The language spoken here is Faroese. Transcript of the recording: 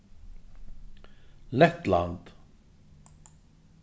lettland